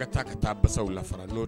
A taa ka taasaw la fara